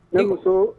Ne muso